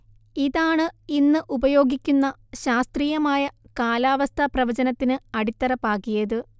ഇതാണ് ഇന്ന് ഉപയോഗിക്കുന്ന ശാസ്ത്രീയമായ കാലാവസ്ഥാപ്രവചനത്തിന് അടിത്തറ പാകിയത്